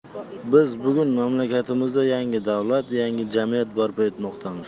biz bugun mamlakatimizda yangi davlat yangi jamiyat barpo etmoqdamiz